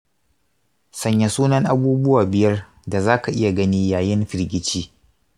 sanya sunan abubuwa biyar da zaka iya gani yayin firgici